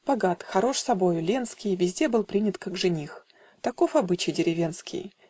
Богат, хорош собою, Ленский Везде был принят как жених Таков обычай деревенский